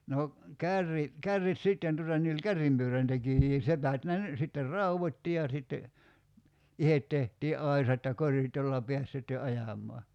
no kärry kärryt sitten tuota niin oli kärrynpyöräntekijöitä sepät ne - sitten raudoitti ja sitten itse tehtiin aisat ja korit jolla pääsi sitten ajamaan